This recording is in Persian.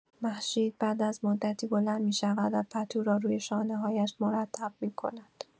مهشید بعد از مدتی بلند می‌شود و پتو را روی شانه‌هایش مرتب می‌کند.